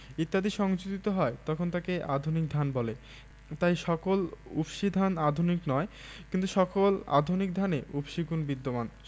ইত্যাদি সংযোজিত হয় তখন তাকে আধুনিক ধান বলে তাই সকল উফশী ধান আধুনিক নয় কিন্তু সকল আধুনিক ধানে উফশী গুণ বিদ্যমান